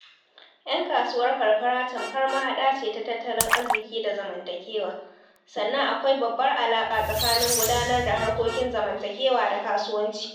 Yan kasuwar karkara tamkar mahaɗa ce ta tattalin arziki da zamantakewa, sannan akwai babbar alaƙa tsakanin gudanar da harkokin zamantakewa da kasuwanci.